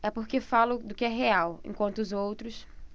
é porque falo do que é real enquanto os outros